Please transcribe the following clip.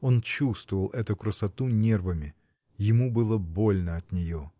Он чувствовал эту красоту нервами, ему было больно от нее.